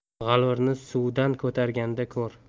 g'alvirni suvdan ko'targanda ko'r